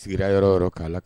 Sigira yɔrɔ o yɔrɔ k'a Makan